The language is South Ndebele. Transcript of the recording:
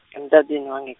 emtatweni wange-.